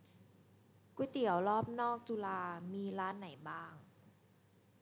ก๋วยเตี๋ยวรอบนอกจุฬามีร้านไหนบ้าง